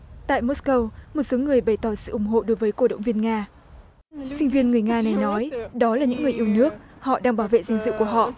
tại mốt câu một số người bày tỏ sự ủng hộ đối với cổ động viên nga sinh viên người nga này nói đó là những người yêu nước họ đang bảo vệ danh dự của họ